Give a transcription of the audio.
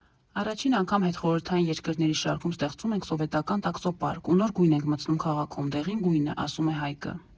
Առաջին անգամ հետխորհրդային երկրների շարքում ստեղծում ենք սովետական տաքսոպարկ ու նոր գույն ենք մտցնում քաղաքում՝ դեղին գույնը»,֊ասում է Հայկը։